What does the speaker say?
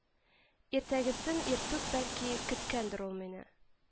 Иртәгесен иртүк, бәлки, көткәндер ул мине